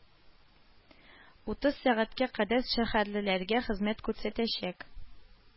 Утыз сәгатькә кадәр шәһәрлеләргә хезмәт күрсәтәчәк